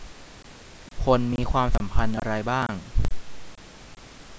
พลมีความสัมพันธ์อะไรบ้าง